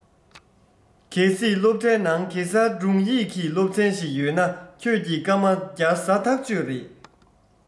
གལ སྲིད སློབ གྲྭའི ནང གེ སར སྒྲུང ཡིག གི སློབ ཚན ཞིག ཡོད ན ཁྱོད ཀྱིས སྐར མ བརྒྱ ཟ ཐག གཅོད རེད